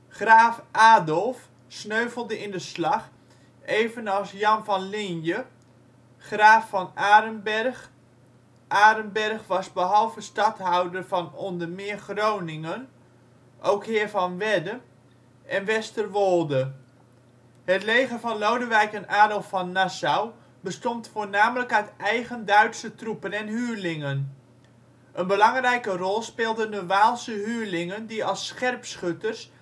Graaf Adolf sneuvelde in de slag, evenals Jan van Ligne (ca. 1525-1568), Graaf van Aremberg. Aremberg was behalve stadhouder van (onder meer) Groningen ook heer van Wedde en Westerwolde. Het leger van Lodewijk en Adolf van Nassau bestond voornamelijk uit eigen Duitse troepen en huurlingen. Een belangrijke rol speelden de Waalse huurlingen, die als scherpschutters